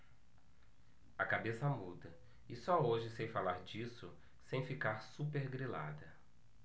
a cabeça muda e só hoje sei falar disso sem ficar supergrilada